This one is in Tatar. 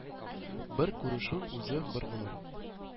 Бер күрешү үзе бер гомер.